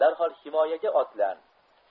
darhol himoyaga otlan